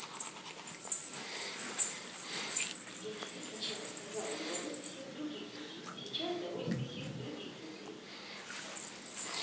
ну я тебе сначала сказала недовольство всех других людей а сейчас довольство сил других людей